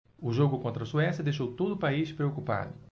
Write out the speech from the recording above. o jogo contra a suécia deixou todo o país preocupado